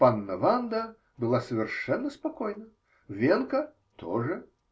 Панна Ванда была совершенно спокойна. Венка тоже.